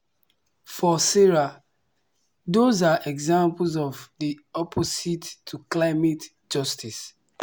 For Sarah, those are examples of “the opposite to climate justice”.